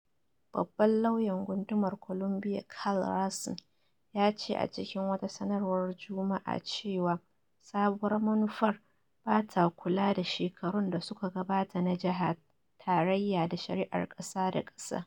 Babban Lauyan Gundumar Columbia Karl Racine, ya ce a cikin wata sanarwar Juma'a cewa sabuwar manufar "ba ta kula da shekarun da suka gabata na jaha, tarayya, da shari’ar kasa da kasa."